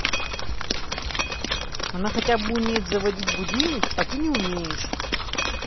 она хотя бы умеет заводить будильник а ты не умеешь